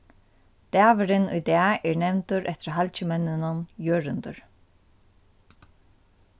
dagurin í dag er nevndur eftir halgimenninum jørundur